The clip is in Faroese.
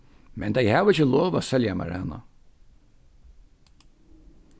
men tey hava ikki lov at selja mær hana